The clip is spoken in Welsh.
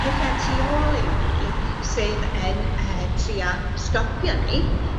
petha tu ôl i ni sydd yn yy trio stopio ni